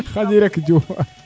xaƴi rek Diouf